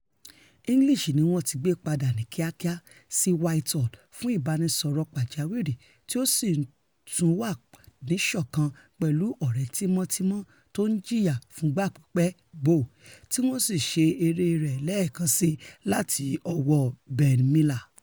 English níwọn ti gbé padà ní kíákía sí Whitehall fún ìbanisọ̀rọ̀ pàjáwìrì tí ó sì túnwà níṣọ̀kan pẹ̀lú ọ̀rẹ́ tímọ́tímọ́ tóńjìyà fúngbà pípẹ́ Bough, tí wọn ṣe eré rẹ̵̀ lẹ́ẹ́kan síi láti ọwọ́ Ben Miller.